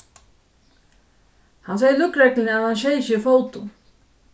hann segði løgregluni at hann skeyt seg í fótin